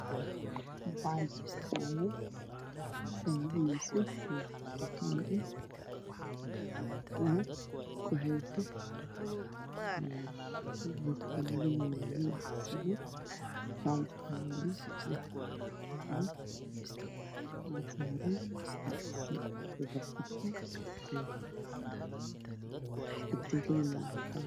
Masjid kaan waxaa ku jiro labo wiil mid waxa uu wataa shaati madow ah iyo cimaamad